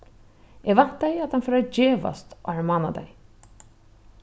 eg væntaði at hann fór at gevast áðrenn mánadagin